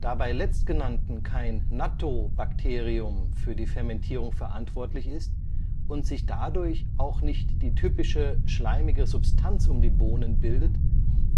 Da bei letztgenannten kein Nattō-Bakterium für die Fermentierung verantwortlich ist und sich dadurch auch nicht die typische schleimige Substanz um die Bohnen bildet,